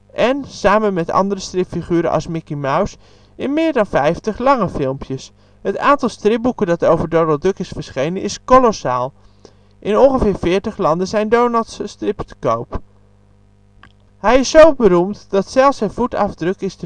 en, samen met andere stripfiguren, als Mickey Mouse, in meer dan vijftig lange filmpjes. Het aantal stripboeken dat over Donald Duck is verschenen, is kolossaal. In ongeveer veertig landen zijn Donalds strips te koop. Hij is zo beroemd dat zelfs zijn voetafdruk is